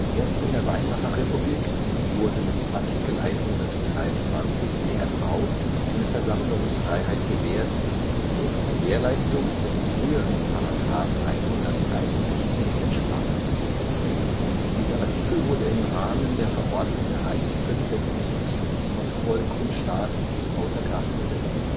Erst in der Weimarer Republik wurde mit Art. 123 WRV eine Versammlungsfreiheit gewährt, deren Gewährleistung dem früheren § 161 entsprach. Dieser Artikel wurde im Rahmen der Verordnung des Reichspräsidenten zum Schutz von Volk und Staat außer Kraft gesetzt